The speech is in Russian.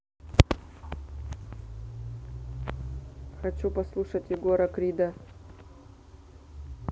хочу послушать егора крида